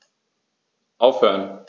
Aufhören.